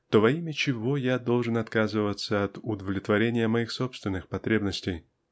то во имя чего я должен отказываться от удовлетворения моих собственных потребностей?